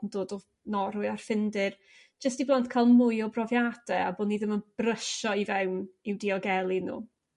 yn dod o Norwy a'r Ffindir jyst i blant ca'l mwy o brofiade a bo' ni ddim yn brysio i fewn i'w diogelu nhw.